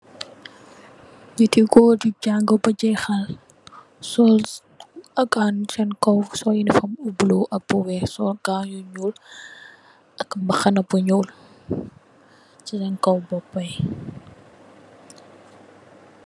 Nyatti gorr yu jang beh jexal sol gown sen kaw sol uniform yu bulo bu am lu wekh sol gown yu nyul tak mbaxana bu nyul sen kaw bopa yi